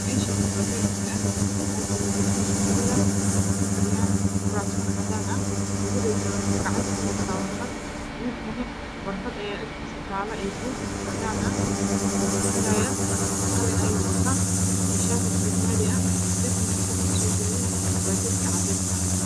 Meshan waa mel hol ah waxa joga wilal iyo gabdho waxey ku fadhiyan kuraso cadan ah gabadha waxey kacanta ku heesa waraqad wilkana warqad iyo bug cadan ah aya agtiisa tala wu fakarata qalin ayuu wata iyo shati bulug mariya darbiga xaga kasojeda waa darbi cadees ah